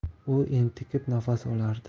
u entikib nafas olardi